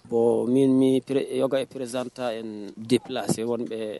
Bɔn min pere ka pperez ta depla se tɛ